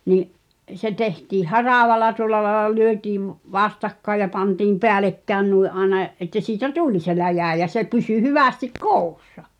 niin se tehtiin haravalla tuolla lailla lyötiin vastakkain ja pantiin päällekkäin noin aina että siitä tuli se läjä ja se pysyi hyvästi koossa